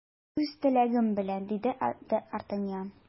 Үз теләгем белән! - диде д’Артаньян.